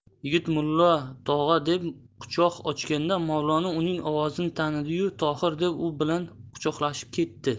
yigit mulla tog'a deb quchoq ochganda mavlono uning ovozini tanidi yu tohir deb u bilan quchoqlashib ketdi